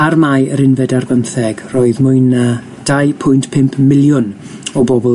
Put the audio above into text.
Ar Mai yr unfed ar bymtheg, roedd mwy na dau pwynt pump miliwn o bobl